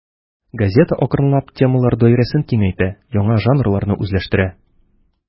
Газета акрынлап темалар даирәсен киңәйтә, яңа жанрларны үзләштерә.